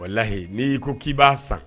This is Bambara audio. Walayi n'i ko k'i b'a san